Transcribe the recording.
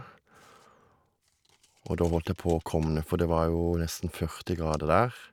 Og da holdt jeg på å kovne, for det var jo nesten førti grader der.